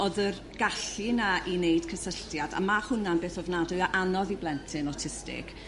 O'dd yr gallu 'na i neud cysylltiad a ma' hwnna'n beth ofnadwy o anodd i blentyn awtistig.